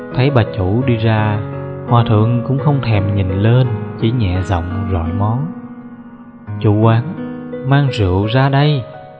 thấy bà chủ đi ra hoà thượng cũng không thèm nhìn lên chỉ nhẹ giọng gọi món chủ quán mang rượu ra đây